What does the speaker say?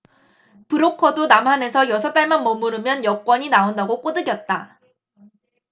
브로커도 남한에서 여섯달만 머무르면 여권이 나온다고 꼬드겼다